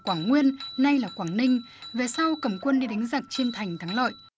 quảng nguyên nay là quảng ninh về sau cầm quân đi đánh giặc chiêm thành thắng lợi